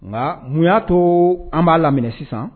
Nka mun y'a to an b'a laminɛ sisan